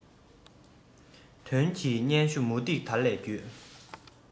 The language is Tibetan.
དོན གྱི སྙན ཞུ མུ ཏིག དར ལ བརྒྱུས